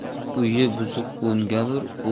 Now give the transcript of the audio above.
uyi buzuq o'ngalur